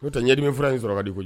Oo tɛ ɲɛri min fura in sɔrɔba de koyi